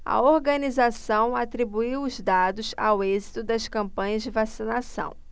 a organização atribuiu os dados ao êxito das campanhas de vacinação